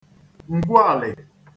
ǹgwualị̀